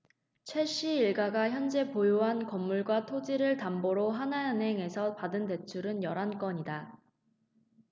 최씨 일가가 현재 보유한 건물과 토지를 담보로 하나은행에서 받은 대출은 열 한 건이다